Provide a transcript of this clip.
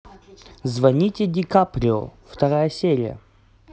звоните ди каприо вторая серия